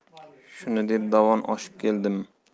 shuni deb dovon oshib keldim